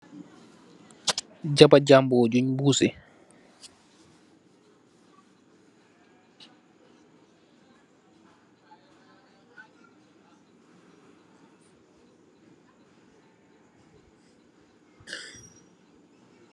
Jabajambo Jung mbuseh.